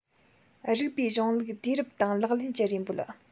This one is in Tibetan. རིགས པའི གཞུང ལུགས དུས རབས དང ལག ལེན གྱི རེ འབོད